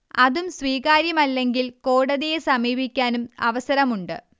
അതും സ്വീകാര്യമല്ലെങ്കിൽ കോടതിയെ സമീപിക്കാനും അവസരമുണ്ട്